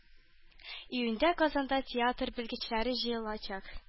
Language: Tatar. Июньдә Казанда театр белгечләре җыелачак